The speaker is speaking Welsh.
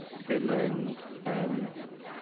ddim yn, yym...